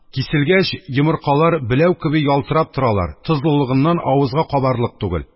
Киселгәч, йомыркалар беләү кеби ялтырап торалар; тозлылыгыннан авызга кабарлык түгел.